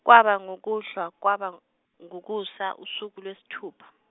kwaba ngukuhlwa kwaba, ngukusa usuku lwesithupha.